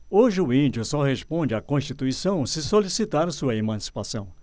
hoje o índio só responde à constituição se solicitar sua emancipação